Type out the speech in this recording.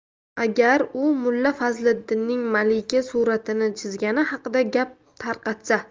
agar u mulla fazliddinning malika suratini chizgani haqida gap tarqatsa